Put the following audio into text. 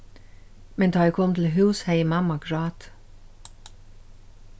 men tá eg kom til hús hevði mamma grátið